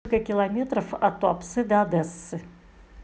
сколько километров от туапсе до одессы